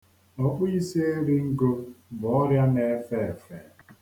Ọ̀kpụīsieringo bụ ọrịa na-efe efe.